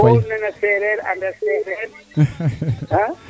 ko nan a seereer and a sereer